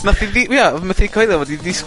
Methu ddi-... Ie, o' fi methu coeilio fod 'i ddisgwl